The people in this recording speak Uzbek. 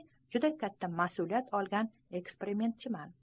juda katta mas'uliyat olgan eksperimentchiman